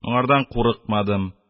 Моңардан курыкмадым,